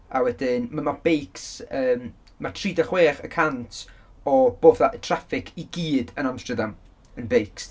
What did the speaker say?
A wedyn ma- mae beics, yym, ma' tri deg chwech y cant o fatha traffig i gyd yn Amsterdam yn beics...